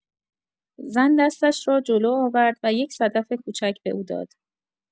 زن دستش را جلو آورد و یک صدف کوچک به او داد.